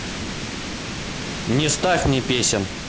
не ставь мне песен